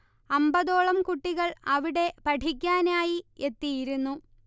അമ്പതോളം കുട്ടികൾ അവിടെ പഠിക്കാനായി എത്തിയിരുന്നു